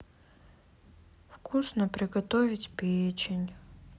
вкусно приготовить печень